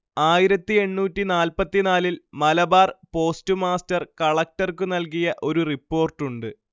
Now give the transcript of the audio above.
ആയിരത്തി എണ്ണൂറ്റിനാൽപ്പത്തിനാലിൽ മലബാർ പോസ്റ്റ്മാസ്റ്റർ കളക്ടർക്കു നൽകിയ ഒരു റിപ്പോർട്ടുണ്ട്